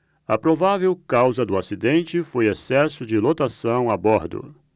a provável causa do acidente foi excesso de lotação a bordo